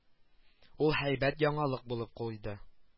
Ул һәйбәт яңалык булып куйды